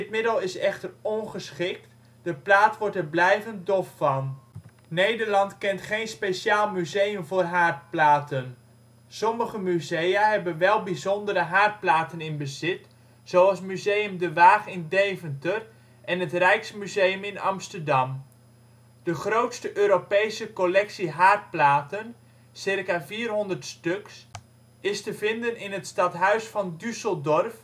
middel is echter ongeschikt, de plaat wordt er blijvend dof van. Nederland kent geen speciaal museum voor haardplaten. Sommige musea hebben wel bijzondere haardplaten in bezit zoals Museum De Waag in Deventer en het Rijksmuseum in Amsterdam. De grootste Europese collectie haardplaten - circa 400 stuks - is te vinden in het stadhuis van Düsseldorf